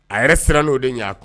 A yɛrɛ siran n'o de ɲ a kɔnɔ